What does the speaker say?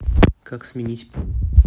как сменить пин